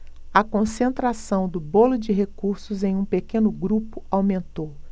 a concentração do bolo de recursos em um pequeno grupo aumentou